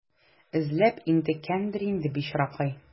Эзләп интеккәндер инде, бичаракай.